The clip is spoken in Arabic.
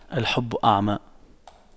الحب أعمى